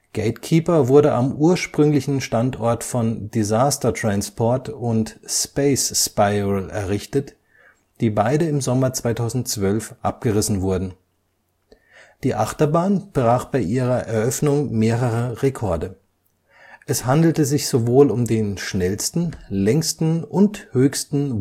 GateKeeper wurde am ursprünglichen Standort von Disaster Transport und Space Spiral errichtet, die beide im Sommer 2012 abgerissen wurden. Die Achterbahn brach bei ihrer Eröffnung mehrere Rekorde: Es handelte sich sowohl um den schnellsten, längsten und höchsten